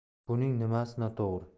buning nimasi noto'g'ri